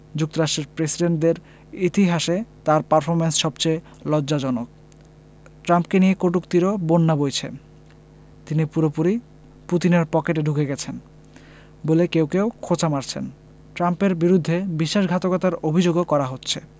যুক্তরাষ্ট্রের প্রেসিডেন্টদের ইতিহাসে তাঁর পারফরমেন্স সবচেয়ে লজ্জাজনক ট্রাম্পকে নিয়ে কটূক্তিরও বন্যা বইছে তিনি পুরোপুরি পুতিনের পকেটে ঢুকে গেছেন বলে কেউ কেউ খোঁচা মারছেন ট্রাম্পের বিরুদ্ধে বিশ্বাসঘাতকতার অভিযোগও করা হচ্ছে